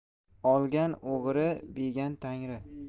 olgan o'g'ri beigan tangri